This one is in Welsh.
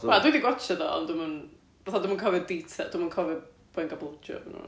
na dwi 'di gwatsiad o ond dwi'm yn... fatha dwi 'm yn cofio detail dwi 'm yn cofio boi'n ca'l blow job ynddo fo.